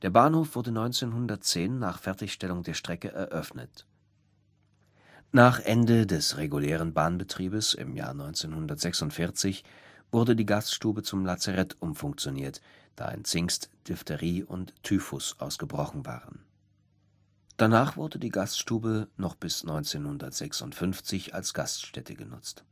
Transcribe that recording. Bahnhof wurde 1910 nach Fertigstellung der Strecke eröffnet. Nach Ende des regulären Bahnbetriebes im Jahr 1946 wurde die Gaststube zum Lazarett umfunktioniert, da in Zingst Diphtherie und Typhus ausgebrochen waren. Danach wurde die Gaststube noch bis 1956 als Gaststätte genutzt